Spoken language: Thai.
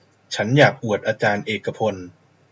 ฉันอยากอวดอาจารย์เอกพล